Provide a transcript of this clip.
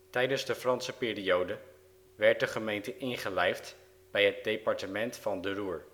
Tijdens de Franse periode werd de gemeente ingelijfd bij het Departement van De Roer